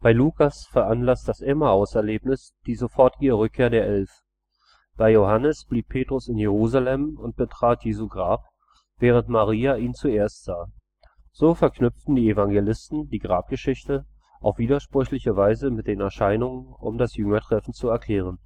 Lukas veranlasst das Emmauserlebnis die sofortige Rückkehr der Elf. Bei Johannes blieb Petrus in Jerusalem und betrat Jesu Grab, während Maria ihn zuerst sah. So verknüpften die Evangelisten die Grabgeschichte auf widersprüchliche Weise mit den Erscheinungen, um das Jüngertreffen zu erklären